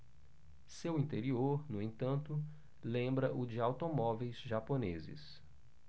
seu interior no entanto lembra o de automóveis japoneses